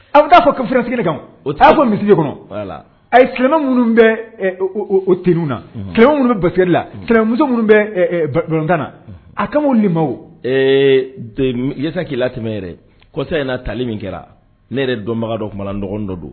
A bɛ taaa fɔ kafitiri kan o ko misi kɔnɔ a ye silamɛman minnu bɛ ter na kɛlɛ minnu bɛ baferi la kɛlɛmuso minnu bɛtan na a ka ninmasa'la tɛmɛ yɛrɛ kɔsa in na taali min kɛra ne yɛrɛ dɔnbaga dɔ tuma dɔgɔn dɔ don